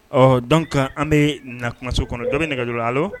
Ɔɔ donc an bee na kumaso kɔnɔ dɔ be nɛgɛjuru la allo